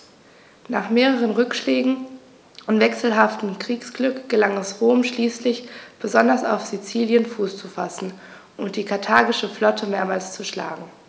Nach mehreren Rückschlägen und wechselhaftem Kriegsglück gelang es Rom schließlich, besonders auf Sizilien Fuß zu fassen und die karthagische Flotte mehrmals zu schlagen.